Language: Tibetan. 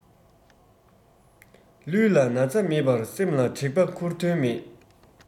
ལུས ལ ན ཚ མེད པར སེམས ལ དྲེག པ ཁུར དོན མེད